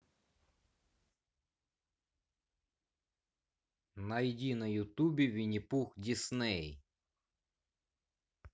найди на ютубе винни пух дисней